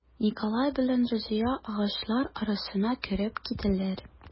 Николай белән Разия агачлар арасына кереп китәләр.